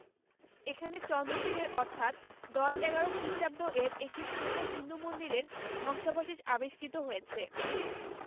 এখানে চন্দ্র যুগের অর্থাৎ দশ এগারো খ্রিস্টাব্দ এর একটি ছোট হিন্দু মন্দিরের ধ্বংশাবশেষ আবিষ্কৃত হয়েছে